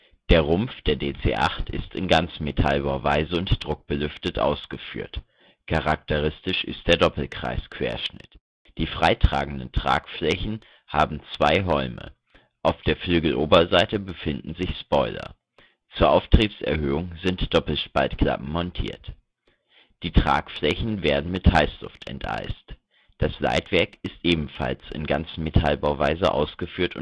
Der Rumpf der DC-8 ist in Ganzmetallbauweise und druckbelüftet ausgeführt. Charakteristisch ist der Doppelkreisquerschnitt. Die freitragenden Tragflächen haben zwei Holme. Auf der Flügeloberseite befinden sich Spoiler. Zur Auftriebserhöhung sind Doppelspaltklappen montiert. Die Tragflächen werden mit Heißluft enteist. Das Leitwerk ist ebenfalls in Ganzmetallbauweise ausgeführt